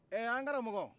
ɛhh an karamɔkɔ